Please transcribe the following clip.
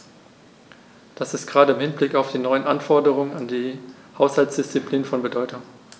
Dies ist gerade im Hinblick auf die neuen Anforderungen an die Haushaltsdisziplin von Bedeutung.